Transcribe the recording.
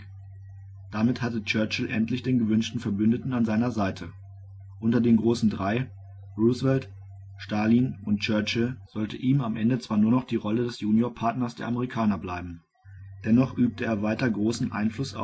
den gewünschten Verbündeten an seiner Seite. Unter den " Großen Drei "– Roosevelt, Stalin und Churchill – sollte ihm am Ende zwar nur noch die Rolle des Junior-Partners der Amerikaner bleiben. Dennoch übte er weiter großen Einfluss